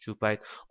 shu payt